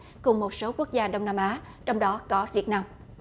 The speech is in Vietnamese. cùng một số quốc gia đông nam á trong đó có việt nam